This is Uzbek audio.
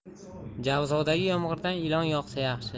javzodagi yomg'irdan ilon yog'sa yaxshi